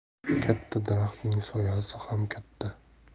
katta daraxtning soyasi ham katta